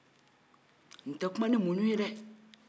n te kuma ni muɲ ye dɛ